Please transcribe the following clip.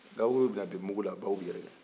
gabakuru bɛ na bin mugu la baw bɛ yɛrɛkɛ